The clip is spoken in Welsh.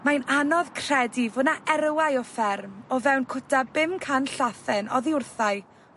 Mae'n anodd credu fo' 'na erwau o fferm o fewn cwta bum can llathen oddi wrthai